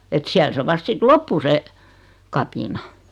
että siellä se vasta sitten loppui se kapina